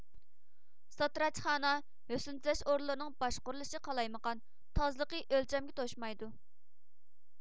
ساتراچخانا ھۆسىن تۈزەش ئورۇنلىرىنىڭ باشقۇرلۇشى قالايمىقان تازىلىقى ئۆلچەمگە توشمايدۇ